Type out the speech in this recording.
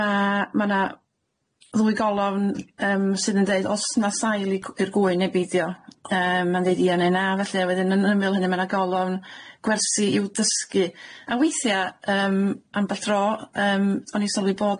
ma' ma' na' ddwy golofn yym sydd yn deud os na sail i cw- i'r gwyn neu beidio yym ma'n deud ia neu na felly a wedyn yn ymyl hynny ma' na golofn gwersi i'w dysgu a weithia' yym ambell tro yym o'n i sylwi bod